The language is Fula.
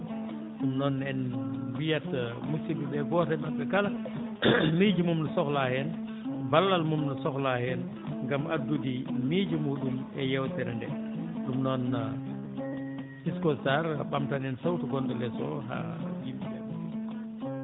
ɗum noon en mbiyat ko musidɓe ɓe gooto e maɓɓe kala miijo mum ne sohlaa heen ballal mum ne sohlaa heen ngam addude miijo muɗum e yeewtere ndee ɗum noon Pisco Sarr ɓamtan en sawtu gonɗo lees haa yimɓe ɓe